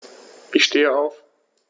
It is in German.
Ich stehe auf.